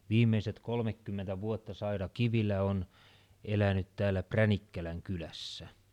viimeiset kolmekymmentä vuotta Saida Kivilä on elänyt täällä Pränikkälän kylässä